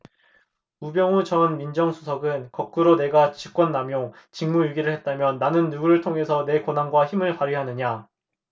우병우 전 민정수석은 거꾸로 내가 직권남용 직무유기를 했다면 나는 누구를 통해서 내 권한과 힘을 발휘하느냐